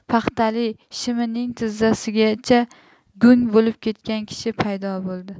paxtali shimining tizzasigacha go'ng bo'lib ketgan kishi paydo bo'ldi